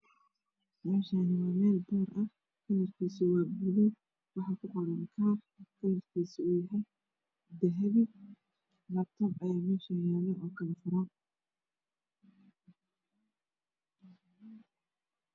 Mishaani waa mel duur ah kalrkiisu waa buluug waxaa ku qoran kar kalar kiis u yahay dahabi labtoob aa mish yaalo oo kal. furan